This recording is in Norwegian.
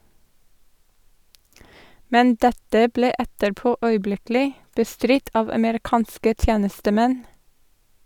Men dette ble etterpå øyeblikkelig bestridt av amerikanske tjenestemenn.